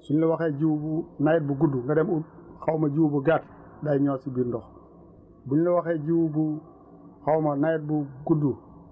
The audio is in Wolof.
su boobaa dangay am erreur suñ la waxee jiwu bu nawet bu gudd nga dem ut xaw ma jiwu bu gàtt day ñor si biir ndox buñ la waxee jiwu bu xaw ma nawet bu bu gudd